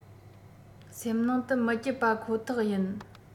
སེམས ནང དུ མི སྐྱིད པ ཁོ ཐག ཡིན